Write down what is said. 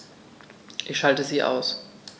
Ich schalte sie aus.